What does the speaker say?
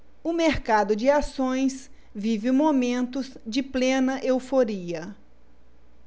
o mercado de ações vive momentos de plena euforia